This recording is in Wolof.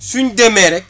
suñ demee rek